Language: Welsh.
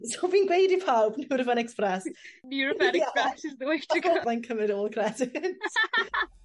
So fi'n gweud i pawb Nurofen Express. Nurofen Express is the way to go. I don't mind cymyd all the credit.